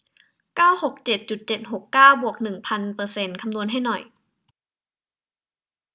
เก้าหกเจ็ดจุดเจ็ดหกเก้าบวกหนึ่งพันเปอร์เซ็นต์คำนวณให้หน่อย